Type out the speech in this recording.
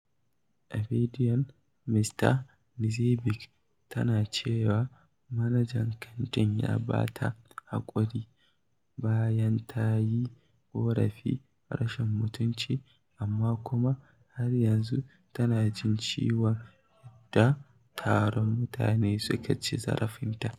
A bidiyon, Ms Knezeɓic tana cewa manajan kantin ya ba ta haƙuri bayan ta yi ƙorafin rashin mutuncin, amma kuma har yanzu tana jin ciwon yadda taron mutane suka ci zarafinta.